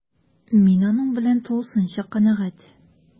Мин аның белән тулысынча канәгать: